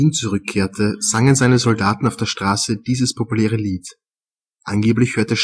zurückkehrte, sangen seine Soldaten auf der Straße dieses populäre Lied. Angeblich hörte